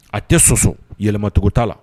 A tɛ sɔsɔ yɛlɛmatogo t'a la